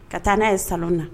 Ka taa na ye salon na.